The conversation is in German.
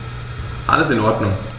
Alles in Ordnung.